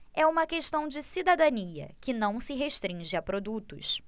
é uma questão de cidadania que não se restringe a produtos